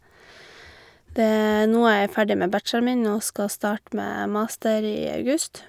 det er Nå er jeg ferdig med bacheloren min og skal starte med master i august.